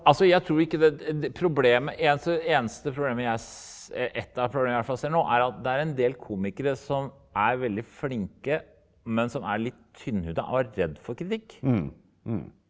altså jeg tror ikke det problemet eneste problemet jeg et av problemene jeg i hvert fall ser nå er at det er en del komikere som er veldig flinke men som er litt tynnhuda og redd for kritikk.